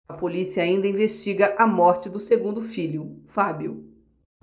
a polícia ainda investiga a morte do segundo filho fábio